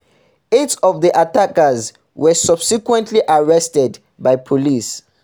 Eight of the attackers were subsequently arrested by police.